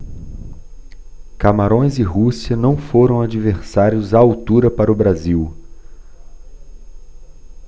camarões e rússia não foram adversários à altura para o brasil